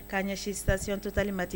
K'a ɲɛ sisito tanli mati